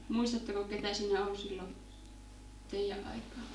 muistatteko keitä siinä oli silloin teidän aikaan